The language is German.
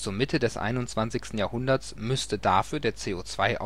Mitte des 21. Jahrhunderts müsste dafür der CO2-Ausstoß